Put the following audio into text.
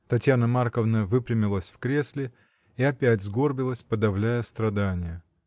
Татьяна Марковна выпрямилась в кресле и опять сгорбилась, подавляя страдание.